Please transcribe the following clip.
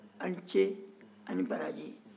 a ni ce a ni baraji